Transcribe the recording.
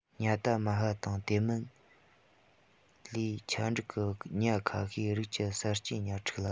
ཉ ཏ མ ཧ དང དེ མིན ལུས ཆ འགྲིག གི ཉ ཁ ཤས རིགས ཀྱི གསར སྐྱེས ཉ ཕྲུག ལ